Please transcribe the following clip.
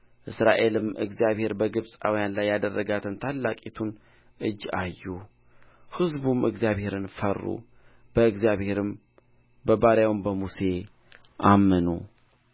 እስራኤልም እግዚአብሔር በግብፃውያን ላይ ያደረጋትን ታላቂቱን እጅ አዩ ሕዝቡም እግዚአብሔርን ፈሩ በእግዚአብሔርም በባሪያውም በሙሴ አመኑ